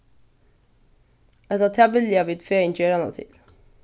ella tað vilja vit fegin gera hana til